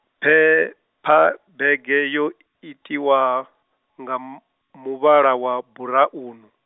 phephabege yo itiwa, nga m- muvhala wa buraunu.